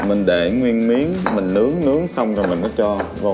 mình để nguyên miếng mình nướng nướng xong rồi mình mới cho vô